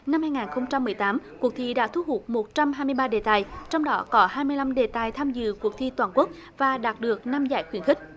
năm hai ngàn không trăm mười tám cuộc thi đã thu hút một trăm hai mươi ba đề tài trong đó có hai mươi lăm đề tài tham dự cuộc thi toàn quốc và đạt được năm giải khuyến khích